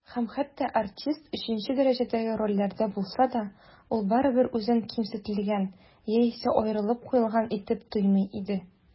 Һәм хәтта артист өченче дәрәҗәдәге рольләрдә булса да, ул барыбыр үзен кимсетелгән яисә аерылып куелган итеп тоймый иде.